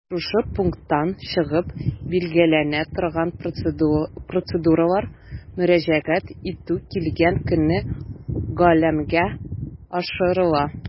Шушы пункттан чыгып билгеләнә торган процедуралар мөрәҗәгать итүче килгән көнне гамәлгә ашырыла.